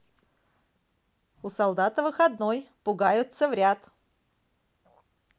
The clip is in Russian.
у солдата выходной пугаются вряд